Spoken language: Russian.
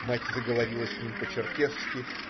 Мать заговорила с ним по-черкесски.